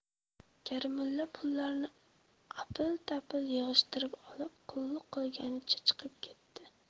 karimulla pullarni apil tapil yig'ishtirib olib qulluq qilganicha chiqib ketdi